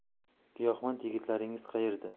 giyohvand yigitlaringiz qaerda